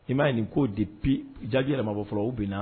I m'a nin k koo de bi jaji yɛlɛmabɔ fɔra u bɛ na